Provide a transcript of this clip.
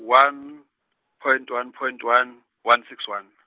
one, point one point one, one six one.